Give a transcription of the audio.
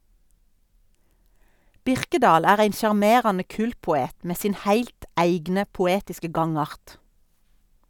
Birkedal er ein sjarmerande kultpoet med sin heilt eigne poetiske gangart.